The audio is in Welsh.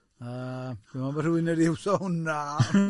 Yym, dwi'n meddwl bod rhywun wedi iwso hwnna.